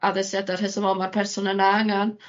addesiada rhesymol ma'r person yna angan.